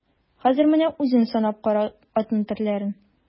Хәзер менә үзең санап кара атның төрләрен.